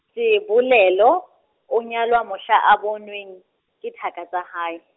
Sebolelo, o nyalwa mohla a bonweng, ke thaka tsa hae.